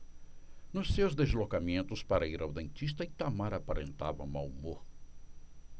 nos seus deslocamentos para ir ao dentista itamar aparentava mau humor